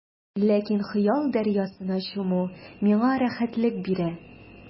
Ләкин хыял дәрьясына чуму миңа рәхәтлек бирә.